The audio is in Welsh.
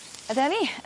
A dyna ni.